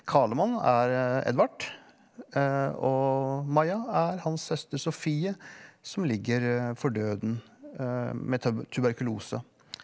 Karlemann er Edvard og Maja er hans søster Sofie som ligger for døden med tuberkulose.